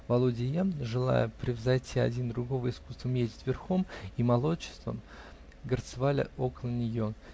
Володя и я, желая превзойти один другого искусством ездить верхом и молодечеством, гарцевали около нее.